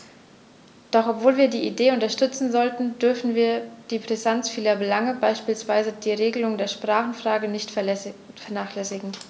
Doch obwohl wir die Idee unterstützen sollten, dürfen wir die Brisanz vieler Belange, beispielsweise die Regelung der Sprachenfrage, nicht vernachlässigen.